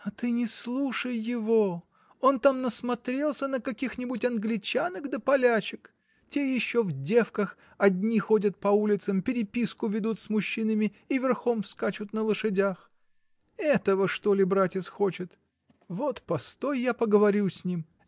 — А ты не слушай его: он там насмотрелся на каких-нибудь англичанок да полячек: те еще в девках одни ходят по улицам, переписку ведут с мужчинами и верхом скачут на лошадях. Этого, что ли, братец хочет? Вот постой, я поговорю с ним.